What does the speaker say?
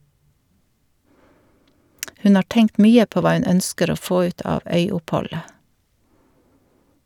Hun har tenkt mye på hva hun ønsker å få ut av øyoppholdet.